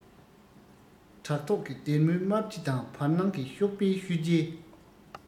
བྲག ཐོག གི སྡེར མོའི དམར དྲི དང བར སྣང གི གཤོག པའི ཤུལ རྗེས